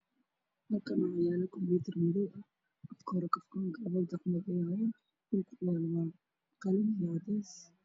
Halkaan waxaa yaalo laptop madaw ah oo shaashada laga furaayo